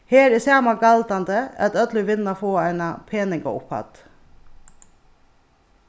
her er sama galdandi at øll ið vinna fáa eina peningaupphædd